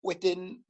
wedyn